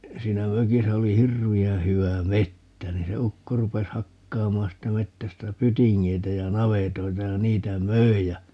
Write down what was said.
siinä mökissä oli hirveän hyvä metsä niin se ukko rupesi hakkaamaan siitä metsästä pytingeitä ja navetoita ja niitä myi ja